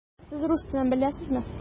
Сез рус телен беләсезме?